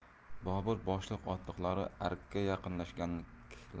bobur boshliq otliqlar arkka yaqinlashganlarida ulkan